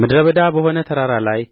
ምድረ በዳ በሆነ ተራራ ላይ